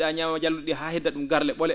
ñaama jallu?i ?ii haa hedda ?um garle ?ole